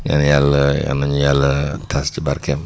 ñaan yàlla yal nañu yàlla taas ci baareem